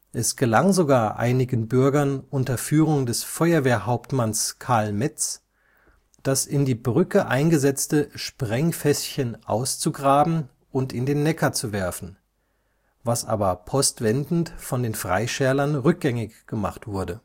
Es gelang sogar einigen Bürgern unter Führung des Feuerwehrhauptmanns Karl Metz, das in die Brücke eingesetzte Sprengfässchen auszugraben und in den Neckar zu werfen, was aber postwendend von den Freischärlern rückgängig gemacht wurde